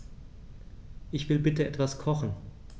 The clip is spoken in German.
Ich will bitte etwas kochen.